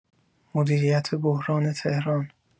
مدیریت بحران تهران